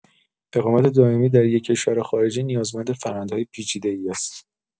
اقامت دائمی در یک کشور خارجی نیازمند فرایندهای پیچیده‌ای است.